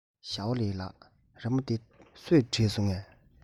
ཞོའོ ལིའི ལགས རི མོ འདི སུས བྲིས སོང ངས